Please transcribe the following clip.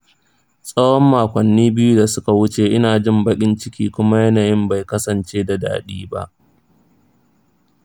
tsawon makonni biyu da suka wuce, ina jin baƙin ciki kuma yanayina bai kasance da daɗi ba.